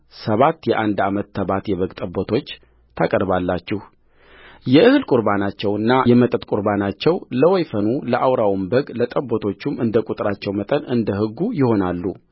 ሰባት የአንድ ዓመት ተባት የበግ ጠቦቶች ታቀርባላችሁየእህል ቍርባናቸውና የመጠጥ ቍርባናቸው ለወይፈኑ ለአውራውም በግ ለጠቦቶቹም እንደ ቍጥራቸው መጠን እንደ ሕጉ ይሆናሉ